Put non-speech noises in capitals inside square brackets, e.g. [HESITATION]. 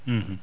[HESITATION] [HESITATION]